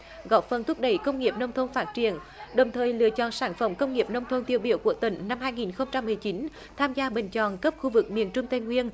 góp phần thúc đẩy công nghiệp nông thôn phát triển đồng thời lựa chọn sản phẩm công nghiệp nông thôn tiêu biểu của tỉnh năm hai nghìn không trăm mười chín tham gia bình chọn cúp khu vực miền trung tây nguyên